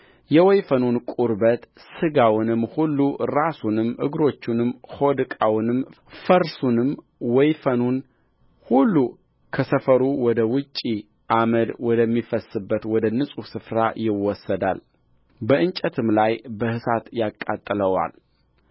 የወይፈኑን ቁርበት ሥጋውንም ሁሉ ራሱንም እግሮቹንም ሆድ ዕቃውንምፈርሱንም ወይፈኑን ሁሉ ከሰፈሩ ወደ ውጭ አመድ ወደሚፈስስበት ወደ ንጹሕ ስፍራ ይወስደዋል በእንጨትም ላይ በእሳት ያቃጥለዋል